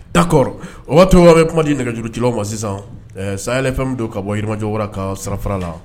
Da kɔrɔ o waati to wa bɛ kuma di nɛgɛjurutilaw ma sisan saya fɛn min don ka bɔ yɔrɔmajɔ wara ka farara la